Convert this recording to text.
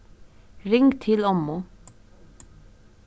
ring til ommu